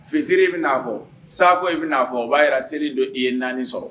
Fitiri i bɛ'a fɔ safo i bɛa fɔ o b'a yɛrɛ seliere don i ye naani sɔrɔ